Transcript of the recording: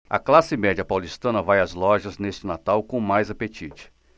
a classe média paulistana vai às lojas neste natal com mais apetite